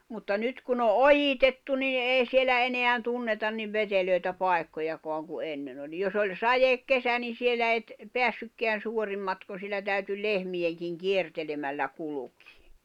mutta nyt kun on ojitettu niin ei siellä enää tunneta niin veteliä paikkojakaan kuin ennen oli jos oli sadekesä niin siellä et päässytkään suorin matkoin siellä täytyi - lehmienkin kiertelemällä kulkea